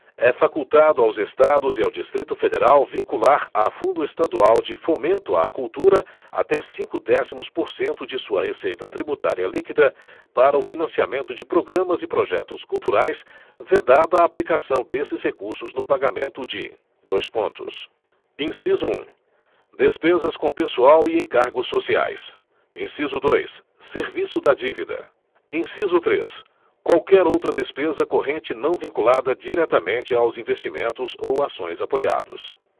é facultado aos estados e ao distrito federal vincular a fundo estadual de fomento à cultura até cinco décimos por cento de sua receita tributária líquida para o financiamento de programas e projetos culturais vedada a aplicação desses recursos no pagamento de dois pontos inciso um despesas com pessoal e encargos sociais inciso dois serviço da dívida inciso três qualquer outra despesa corrente não vinculada diretamente aos investimentos ou ações apoiados